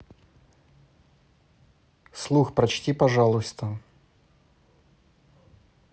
слух прочти пожалуйста